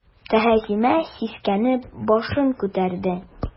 Тәгъзимә сискәнеп башын күтәрде.